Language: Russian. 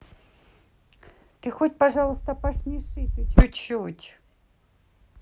ты хоть пожалуйста посмеши ты чуть чуть